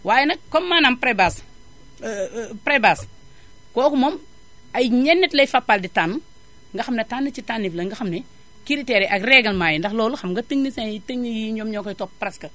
waaye nag comme maanaam pré base pré base kooku moom ay ñenn nit lay Fapal di tànn nga xam ne tànn ci tànnit la nga xam ne critères yi ak règlement ndax loolu xam nga techniciens yi techniques yi ñoom ñoo koy topp presque